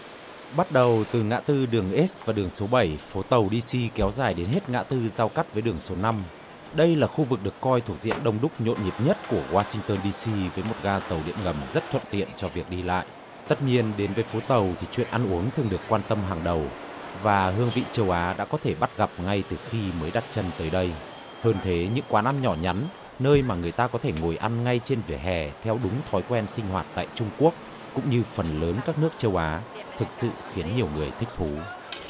bắt đầu từ ngã tư đường ết và đường số bẩy phố tàu đi si kéo dài đến hết ngã tư giao cắt với đường số năm đây là khu vực được coi thuộc diện đông đúc nhộn nhịp nhất của oa sinh tơn đi si với một ga tàu điện ngầm rất thuận tiện cho việc đi lại tất nhiên đến với phố tàu thì chuyện ăn uống thường được quan tâm hàng đầu và hương vị châu á đã có thể bắt gặp ngay từ khi mới đặt chân tới đây hơn thế những quán ăn nhỏ nhắn nơi mà người ta có thể ngồi ăn ngay trên vỉa hè theo đúng thói quen sinh hoạt tại trung quốc cũng như phần lớn các nước châu á thực sự khiến nhiều người thích thú